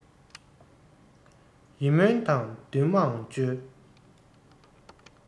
ཡིད སྨོན དང འདུན མའང བཅོལ